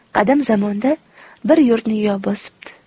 qadim zamonda bir yurtni yov bosibdi